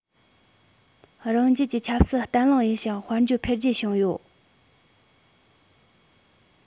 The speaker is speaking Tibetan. རང རྒྱལ གྱི ཆབ སྲིད བརྟན ལྷིང ཡིན ཞིང དཔལ འབྱོར འཕེལ རྒྱས བྱུང ཡོད